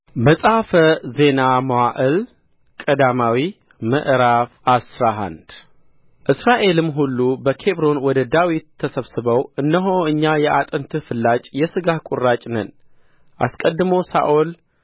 መጽሐፈ ዜና መዋዕል ቀዳማዊ ምዕራፍ አስራ አንድ እስራኤልም ሁሉ በኬብሮን ወደ ዳዊት ተሰብስበው እነሆ እኛ የአጥንትህ ፍላጭ የሥጋህ ቍራጭ ነን አስቀድሞ ሳኦል